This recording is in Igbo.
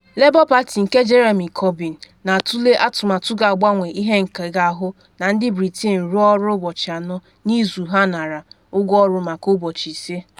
Labour Party nke Jeremy Corbyn na-atule atụmatụ ga-agbanwe ihe nke ga-ahụ na ndị Britain rụọ ọrụ ụbọchị anọ n’izu ha anara ụgwọ ọrụ maka ụbọchị ise.